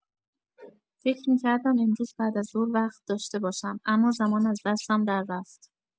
فکر می‌کردم امروز بعدازظهر وقت داشته باشم، اما زمان از دستم دررفت.